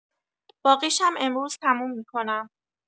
باقیشم امروز تموم می‌کنم.